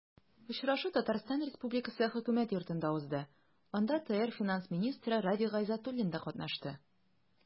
Очрашу Татарстан Республикасы Хөкүмәт Йортында узды, анда ТР финанс министры Радик Гайзатуллин да катнашты.